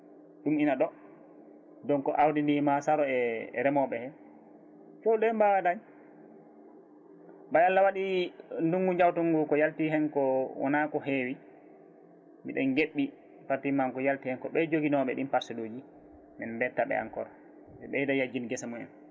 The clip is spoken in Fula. ɗum ina ɗo donc awdi ndi ma saaro e remoɓe he foof ɓe mbawa daañ ɓay Allah waɗi ndugndu jawtugu ngu ko yalti hen ko wona ko heewi mbiɗen gueɓɓi pratiquement ko yalti hen ko ɓen joguinoɓe ɗin parcelle uji en mbettaɓe encore ɓe ɓeydo jaajin guese mumen